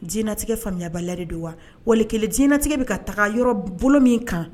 Jinɛinɛtigɛ faamuyayabala de de wa walili kelen jinɛinɛtigɛ bɛ ka taga yɔrɔ bolo min kan